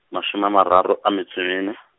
mashome a mararo a metso e mene.